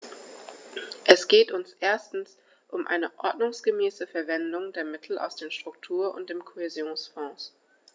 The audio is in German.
Es geht uns erstens um eine ordnungsgemäße Verwendung der Mittel aus den Struktur- und dem Kohäsionsfonds.